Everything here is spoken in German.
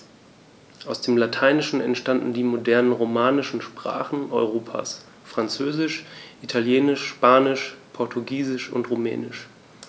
Aus dem Lateinischen entstanden die modernen „romanischen“ Sprachen Europas: Französisch, Italienisch, Spanisch, Portugiesisch und Rumänisch.